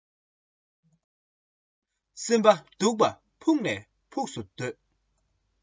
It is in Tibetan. སེམས པ སྡུག པ ཕུགས ནས ཕུགས སུ སྡུག